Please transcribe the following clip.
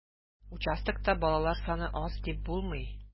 Участокта балалар саны аз дип булмый.